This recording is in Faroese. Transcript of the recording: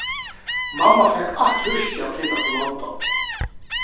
mamma fekk alt húskið at flyta til london